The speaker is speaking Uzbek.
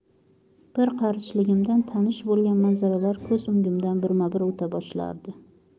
bir qarichligimdan tanish bo'lgan manzaralar ko'z o'ngimdan birma bir o'ta boshlardi